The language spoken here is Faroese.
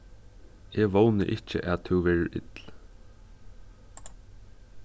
eg vóni ikki at tú verður ill